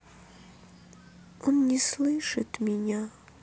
он не слышит меня